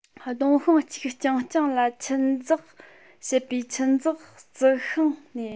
སྡོང ཤིང གཅིག རྐྱང རྐྱང ལ འཁྱུད འཛེག བྱེད པའི འཁྱུད འཛེག རྩི ཤིང ནས